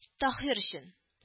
— таһир өчен